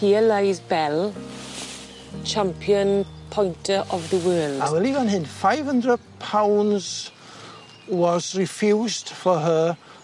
Here lies Belle champion pointer of the world. A yli fan hyn five hundred pounds was refused for her